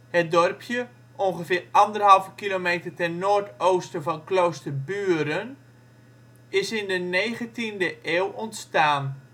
Het dorpje, ongeveer anderhalve kilometer ten noordoosten van Kloosterburen, is in de 19e eeuw ontstaan